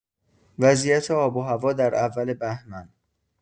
وضعیت آب و هوا در اول بهمن